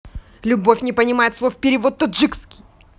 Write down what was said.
любовь не понимает слов перевод таджикский